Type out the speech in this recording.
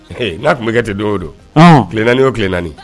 Ee n'a tun bɛkɛ ten don o don tile naanii o tile naanii